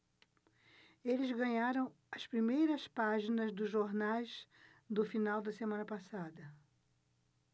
eles ganharam as primeiras páginas dos jornais do final da semana passada